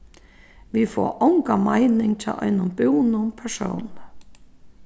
vit fáa onga meining hjá einum búnum persóni